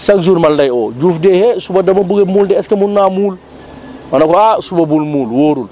chaque jour man lay woo Diouf de eh suba dama bëgg a muul de est ce que mun naa muul ma ne ko ah suba bul muul wóorul